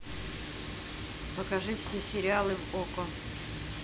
покажи все сериалы в окко